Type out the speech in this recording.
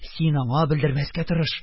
Син аңа белдермәскә тырыш!